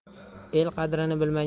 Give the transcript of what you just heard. el qadrini bilmagan